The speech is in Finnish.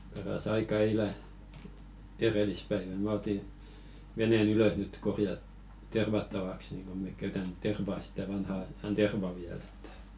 paras aika eilen edellispäivä minä otin veneen ylös nyt - tervattavaksi niin kun me käytämme tervaa sitä vanhan ajan tervaa vielä että